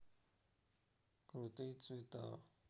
крутые цвета